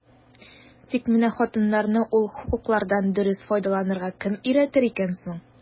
Тик менә хатыннарны ул хокуклардан дөрес файдаланырга кем өйрәтер икән соң?